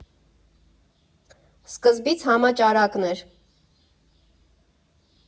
Սկզբից համաճարակն էր։